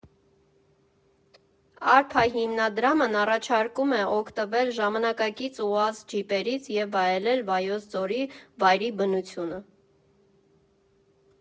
Արփա հիմնադրամն առաջարկում է օգտվել ժամանակակից ՈՒԱԶ ջիպերից և վայելել Վայոց ձորի վայրի բնությունը։